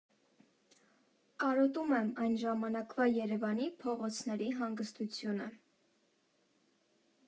Կարոտում եմ այն ժամանակվա Երևանի փողոցների հանգստությունը։